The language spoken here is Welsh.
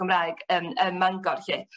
Gymraeg ym ym Mangor 'lly.